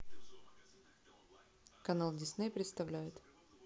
канал дисней представляет